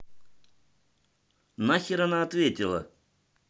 нахер она ответила